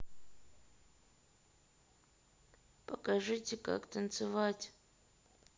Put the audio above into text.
покажите как танцевать